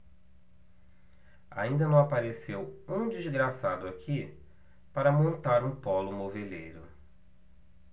ainda não apareceu um desgraçado aqui para montar um pólo moveleiro